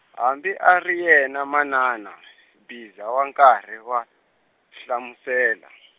hambi a ri yena manana , Mbhiza wa karhi wa, hlamusela .